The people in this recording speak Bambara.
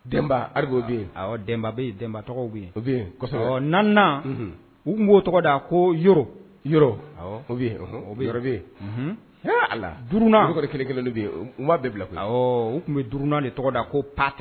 Dɛnba hali bi o bɛ yen. Awɔ Dɛnba bɛ yen, Dɛnba tɔgɔw bɛ yen. O bɛ yen kosɛbɛ! Naaninan u tun b'o tɔgɔda ko Yoro. Yoro. Awɔ o bɛ yen. Yɔrɔ bɛ yen. Unhun. ha ala! olu kɔni kelen kelenniw bɛ yen, u m'a bɛɛ bila koyi. Duurunan, awɔɔ u tun bɛ duurunan de weele ko Pak